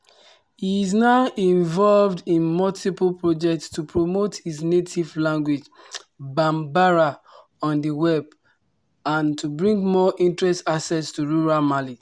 He is now involved in multiple projects to promote his native language, Bambara, on the Web, and to bring more Internet access to rural Mali.